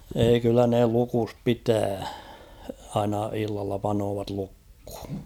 ei kyllä ne lukossa pitää aina illalla panevat lukkoon